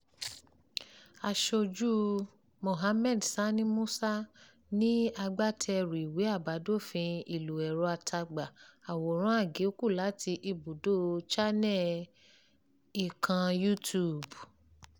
Aṣojú Mohammed Sani Musa ni agbátẹrùu ìwé àbádòfin ìlò ẹ̀rọ alátagbà. Àwòrán àgékù láti ibùdó Channel Television You Tube .